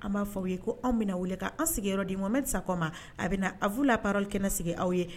An b'a fɔ aw ye ko anw bɛna wele k'an sigiyɔrɔ yɔrɔ di n bɛ sa ko ma a bɛ na a' la parri kɛnɛ sigi aw ye